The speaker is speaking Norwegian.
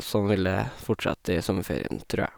Sånn vil det fortsette i sommerferien, trur jeg.